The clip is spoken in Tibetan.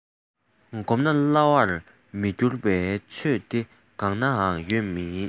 གོམས ན སླ བར མི འགྱུར བའི ཆོས དེ གང ནའང ཡོད མ ཡིན